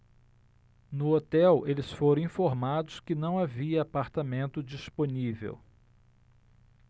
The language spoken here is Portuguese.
no hotel eles foram informados que não havia apartamento disponível